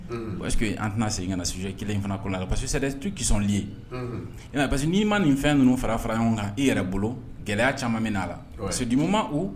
Un, est ce que an tɛna segin ka na sujet kelen in fana ko la, parce que c'est des trucs qui sont liés ,unhun, i m'a ye parce que n'i ma ni fɛn ninnu fara fara ɲɔgɔn kan i yɛrɛ bolo, gɛlɛya caaman bɛ n'a la, uwɛ, parce que du moment où